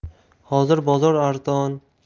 hozir bozor arzon